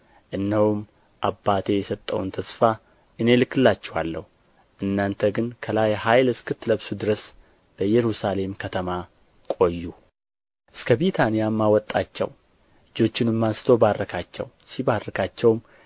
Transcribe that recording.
እነሆም አባቴ የሰጠውን ተስፋ እኔ እልክላችኋለሁ እናንተ ግን ከላይ ኃይል እስክትለብሱ ድረስ በኢየሩሳሌም ከተማ ቆዩ እስከ ቢታንያም አወጣቸው እጆቹንም አንሥቶ ባረካቸው ሲባርካቸውም